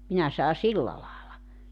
minä sanon silla lailla